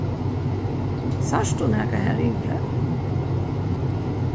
sært tú nakað har yviri